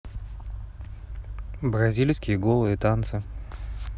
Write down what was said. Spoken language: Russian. бразильские голые танцы